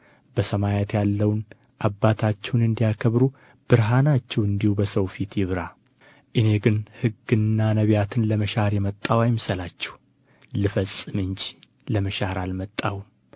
በሰማያት ያለውን አባታችሁን እንዲያከብሩ ብርሃናችሁ እንዲሁ በሰው ፊት ይብራ እኔ ሕግንና ነቢያትን ለመሻር የመጣሁ አይምሰላችሁ ልፈጽም እንጂ ለመሻር አልመጣሁም